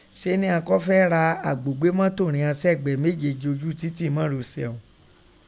Se nìghọn kọ́ fẹ́ẹ́ ra àgbò gbé mọto rinhọn sẹ́gbẹ̀ méjèèjì oju titi mọ́rosẹ ọ̀ún.